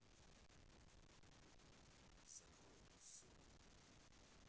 закрой эту ссылку